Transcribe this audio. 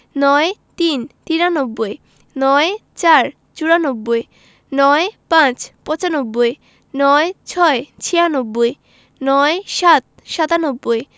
৯৩ তিরানব্বই ৯৪ চুরানব্বই ৯৫ পচানব্বই ৯৬ ছিয়ানব্বই ৯৭ সাতানব্বই